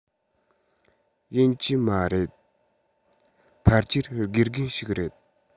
ཡིན གྱི མ རེད ཕལ ཆེར དགེ རྒན ཞིག རེད